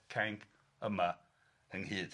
yma ynghyd.